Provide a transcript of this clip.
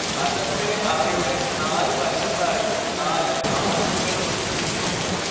അകത്തേ അറയുടെ നാലു വശത്തായി നാല് ആർച്ചുകൾ സ്ഥിതി ചെയ്യുന്നു